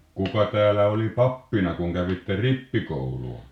kuka täällä oli pappina kun kävitte rippikoulua